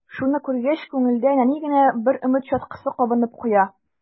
Шуны күргәч, күңелдә нәни генә бер өмет чаткысы кабынып куя.